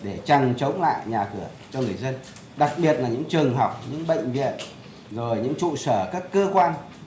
để chằng chống lại nhà cửa cho người dân đặc biệt là những trường học những bệnh viện rồi những trụ sở các cơ quan